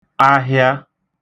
ahịa